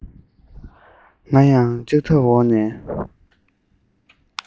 ང ཡང ལྕགས ཐབ འོག ནས